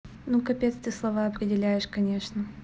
ну капец ты слова определяешь конечно